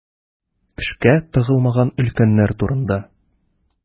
Эшкә тыгылмаган өлкәннәр турында.